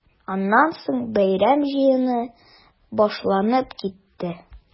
Аннан соң бәйрәм җыены башланып китте.